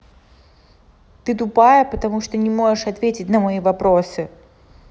ты тупая потому что ты не можешь ответить на мои вопросы